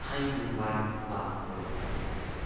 hang mang bo'lib qoldi